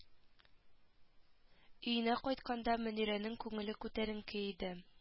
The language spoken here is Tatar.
Өенә кайтканда мөнирәнең күңеле күтәренке иде